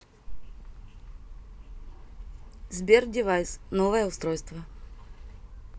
сбер девайс новое устройство